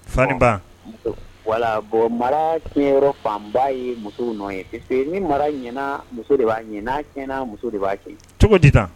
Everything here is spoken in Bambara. Saniba walabɔ mara tiɲɛyɔrɔ fanba ye muso nɔ ye ni mara ɲɛna muso ɲɛna muso de b'a kɛ cogo di